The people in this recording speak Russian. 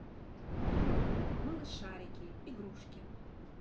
малышарики игрушки